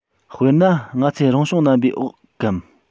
དཔེར ན ང ཚོས རང བྱུང རྣམ པའི འོག གམ